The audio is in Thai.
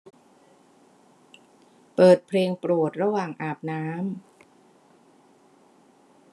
เปิดเพลงโปรดระหว่างอาบน้ำ